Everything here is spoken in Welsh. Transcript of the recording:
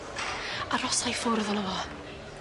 Arosa i ffwrdd ono fo.